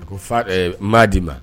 Ko fa ma di ma